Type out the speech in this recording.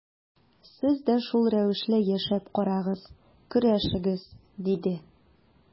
Сез дә шул рәвешле яшәп карагыз, көрәшегез, диде.